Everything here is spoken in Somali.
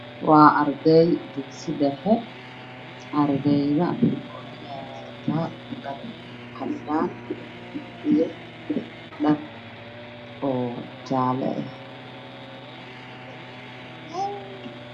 Waa arday dugsi dhexe ardayda waxay qabaan cadaan iyo dhar oo jaale ah